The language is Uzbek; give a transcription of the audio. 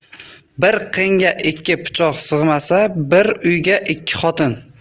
bir qinga ikki pichoq sig'mas bir uyga ikki xotin